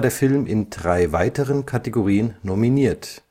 Film in drei weiteren Kategorien nominiert